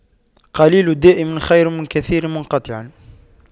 قليل دائم خير من كثير منقطع